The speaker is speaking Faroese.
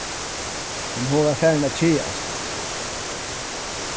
men hon var farin at keðast